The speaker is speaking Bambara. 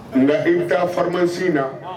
Nka de i bɛ taa farama sin in na